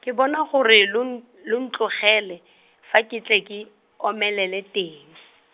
ke bona gore lo n-, lo ntlogele, fa ke tle ke, omelele teng.